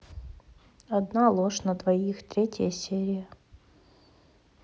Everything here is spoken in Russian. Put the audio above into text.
одна ложь на двоих третья серия